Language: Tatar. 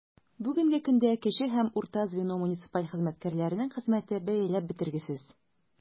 Бүгенге көндә кече һәм урта звено муниципаль хезмәткәрләренең хезмәте бәяләп бетергесез.